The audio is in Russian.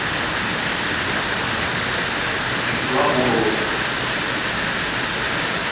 ислам урод